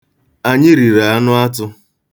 Anyị riri anụ atụ.